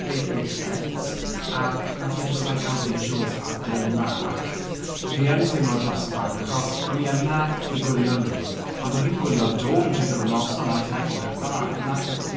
played the greatest hits ac wnaethon nhw jyst like cael fideos ar y dome 'ma ac like fi yn teimlo dros y band achos o'n i yna i gwylio nhw ond o'n i'n gwylio'r dome trwy gydol y noson, I was like oh look at that isn't that pretty?